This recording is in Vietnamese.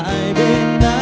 anh